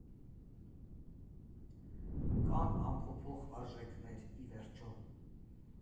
Կան անփոփոխ արժեքներ, ի վերջո։